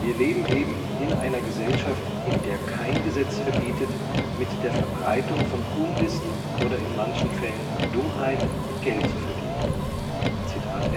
leben eben in einer Gesellschaft, in der kein Gesetz verbietet, mit der Verbreitung von Unwissen oder in manchen Fällen Dummheit, Geld zu verdienen …“– Tom Hanks